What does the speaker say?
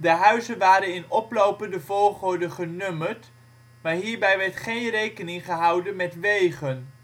huizen waren in oplopende volgorde genummerd, maar hierbij werd geen rekening gehouden met wegen